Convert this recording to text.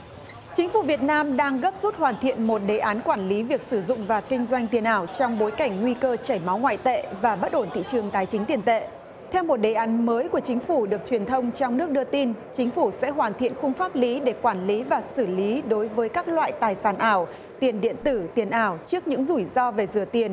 chính phủ việt nam đang gấp rút hoàn thiện một đề án quản lý việc sử dụng và kinh doanh tiền ảo trong bối cảnh nguy cơ chảy máu ngoại tệ và bất ổn thị trường tài chính tiền tệ theo một đề án mới của chính phủ được truyền thông trong nước đưa tin chính phủ sẽ hoàn thiện khung pháp lý để quản lý và xử lý đối với các loại tài sản ảo tiền điện tử tiền ảo trước những rủi ro về rửa tiền